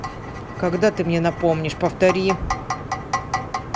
когда ты мне напомнишь повтори